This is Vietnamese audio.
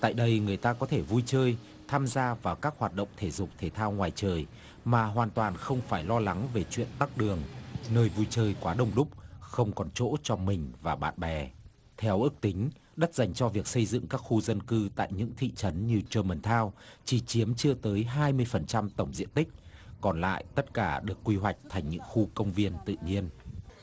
tại đây người ta có thể vui chơi tham gia vào các hoạt động thể dục thể thao ngoài trời mà hoàn toàn không phải lo lắng về chuyện tắc đường nơi vui chơi quá đông đúc không còn chỗ cho mình và bạn bè theo ước tính đất dành cho việc xây dựng các khu dân cư tại những thị trấn như rô mần thao chỉ chiếm chưa tới hai mươi phần trăm tổng diện tích còn lại tất cả được quy hoạch thành những khu công viên tự nhiên